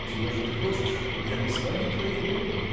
— Что же ты хочешь: чтоб я на свадьбе твоей был?